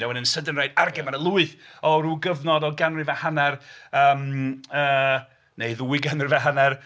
.. a wedyn sydyn reit; 'argian mae 'na lwyth! O ryw gyfnod o ryw ganrif a hanner neu ddwy ganrif a hanner.